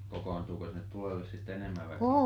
kokoontuiko sinne tulelle sitten enemmän väkeä